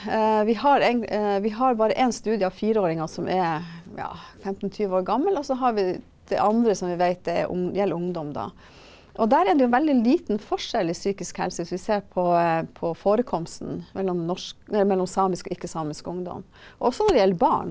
vi har vi har bare én studie av fireåringer som er ja 15 20 år gammel, og så har vi det andre som vi veit er om gjelder ungdom da, og der er det jo veldig liten forskjell i psykisk helse, hvis vi ser på på forekomsten mellom norsk nei mellom samisk og ikke-samisk ungdom, også når det gjelder barn.